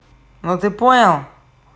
ну ты понял